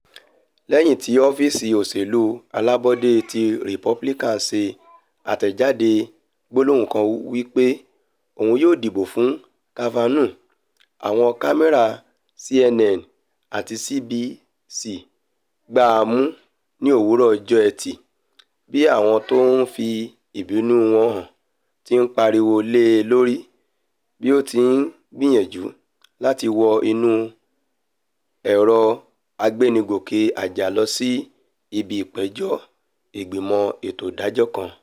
Lẹ́yìn tí ọ́fíìsì òṣèlú alábọ́dé ti Republican ṣe àtẹ̀jáde gbólóhùn kan wí pé òun yóò dìbò fún Kavanaugh, àwọn kámẹ́rà CNN àti CBS gbá a mú ní òwúrọ̀ ọjọ́ Ẹtì bí àwọn tó ń fì ìbínú wọn hàn ti ń pariwo lé e lórí bí ó ti ń gbiyanju láti wọ inú ẹ̀rọ agbénigòke-àjà lọ́si ibi ìgbéjọ́ Ìgbìmọ̀ Ètò Ìdájọ́ kan.